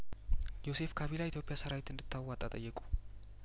ዮሴፍ ካቢላ ኢትዮጵያ ሰራዊት እንድታ ዋጣ ጠየቁ